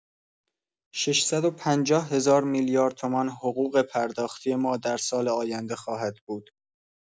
۶۵۰ هزار میلیارد تومان حقوق پرداختی ما در سال آینده خواهد بود.